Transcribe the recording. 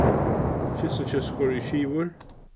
skinsakjøt skorið í skivur